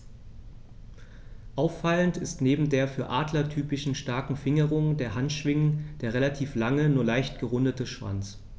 Auffallend ist neben der für Adler typischen starken Fingerung der Handschwingen der relativ lange, nur leicht gerundete Schwanz.